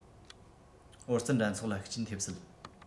ཨོ རྩལ འགྲན ཚོགས ལ ཤུགས རྐྱེན ཐེབས སྲིད